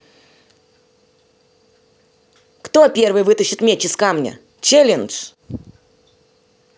кто первый вытащит меч из камня челлендж